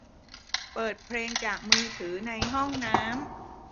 เปิดเพลงจากมือถือในห้องน้ำ